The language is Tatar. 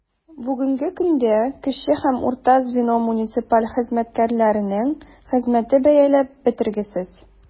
Бүгенге көндә кече һәм урта звено муниципаль хезмәткәрләренең хезмәте бәяләп бетергесез.